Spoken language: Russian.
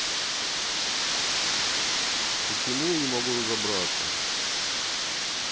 почему я не могу разобраться